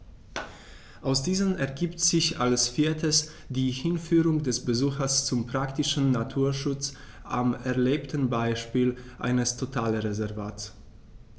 Aus diesen ergibt sich als viertes die Hinführung des Besuchers zum praktischen Naturschutz am erlebten Beispiel eines Totalreservats.